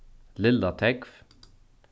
lilla tógv